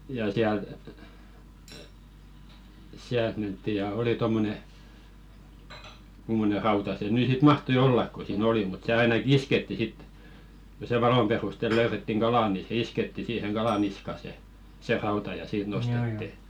ja sieltä sieltä mentiin ja oli tuommoinen kummoinen rauta se nyt sitten mahtoi olla kun siinä oli mutta se ainakin iskettiin sitten kun se valon perustella löydettiin kala niin se iskettiin siihen kalan niskaan se se rauta ja siitä nostettiin